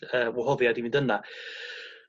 ...yy wahoddiad i fynd yna